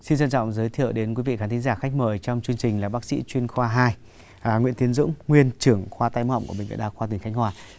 xin trân trọng giới thiệu đến quý vị khán thính giả khách mời trong chương trình là bác sĩ chuyên khoa hai nguyễn tiến dũng nguyên trưởng khoa tai mũi họng của bệnh viện đa khoa tỉnh khánh hòa